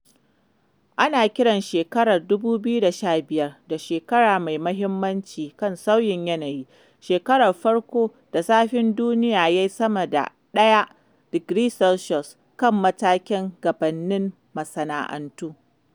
Ana kiran shekarar 2015 da shekara mai mahimmanci kan sauyin yanayi; shekarar farko da zafin duniya yayi sama da 1°C kan matakin gabannin masana’antu.